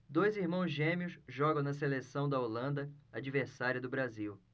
dois irmãos gêmeos jogam na seleção da holanda adversária do brasil